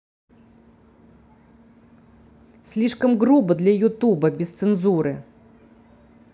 слишком грубо для youtube без цензуры